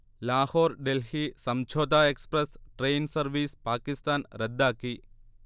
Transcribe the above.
Lahore-Delhi Samjhauta express train service Pakistan റദ്ദാക്കി